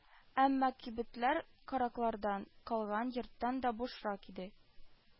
Әмма кибетләр караклардан калган йорттан да бушрак иде